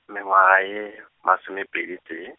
mengwaga ye, masomepedi tee.